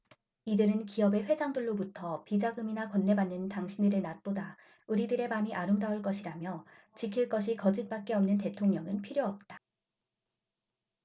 이들은 기업의 회장들로부터 비자금이나 건네받는 당신들의 낮보다 우리들의 밤이 아름다울 것이라며 지킬 것이 거짓밖에 없는 대통령은 필요 없다